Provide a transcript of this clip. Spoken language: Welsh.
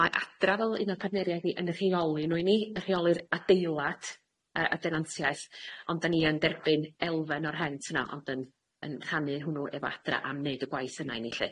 Mae Adra fel un o partneriad ni yn rheoli nw i ni yn rheoli'r adeilad yy y denantiaeth ond da ni yn derbyn elfen o'r rhent yna ond yn yn rhannu hwnnw efo Adra am neud y gwaith yna i ni lly.